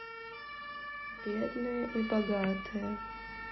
бедные и богатые